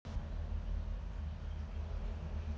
повтори мои слова кристина ты пися